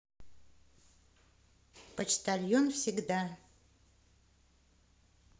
почтальон всегда